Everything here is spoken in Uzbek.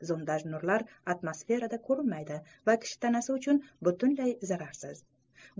zondaj nurlar atmosferada ko'rinmaydi va kishi tanasi uchun butunlay zararsiz